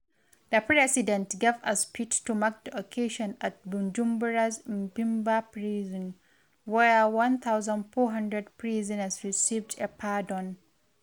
The president gave a speech to mark the occasion at Bujumbura’s Mpimba prison, where 1,400 prisoners received a pardon.